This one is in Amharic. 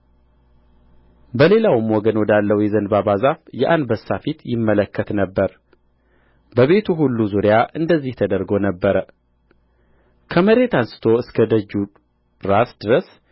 በሌላውም ወገን ወዳለው የዘንባባ ዛፍ የአንበሳ ፊት ይመለከት ነበር በቤቱ ሁሉ ዙሪያ እንደዚህ ተደርጎ ነበር ከመሬት አንሥቶ እስከ ደጁ ራስ ድረስ